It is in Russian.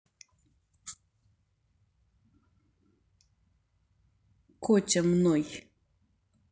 котя мной